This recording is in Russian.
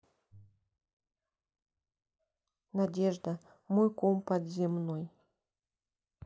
надежда мой ком подземной